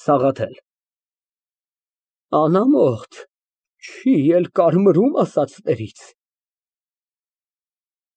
ՍԱՂԱԹԵԼ ֊ Անամոթ, չի էլ կարմրում ասածներից։